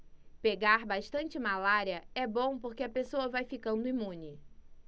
pegar bastante malária é bom porque a pessoa vai ficando imune